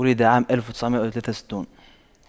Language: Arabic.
ولد عام ألف وتسعمئة وثلاثة وستون